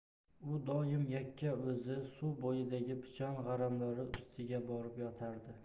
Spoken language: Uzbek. u doim yakka o'zi suv bo'yidagi pichan g'aramlari ustiga borib yotardi